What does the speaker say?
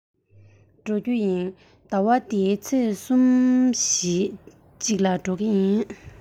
ད དུང སོང མེད ཟླ བ འདིའི ཚེས གསུམ བཞིའི གཅིག ལ འགྲོ གི ཡིན